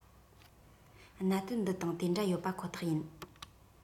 གནད དོན འདི དང དེ འདྲ ཡོད པ ཁོ ཐག ཡིན